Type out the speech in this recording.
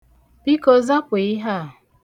Biko zapụ ihe a.